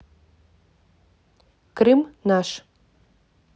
крым наш